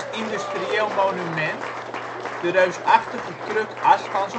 industrieel monument, de reusachtige krukas van